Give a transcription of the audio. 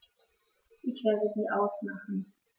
Ich werde sie ausmachen.